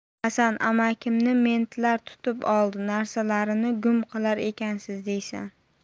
hasan amakimni mentlar tutib oldi narsalarni gum qilar ekansiz deysan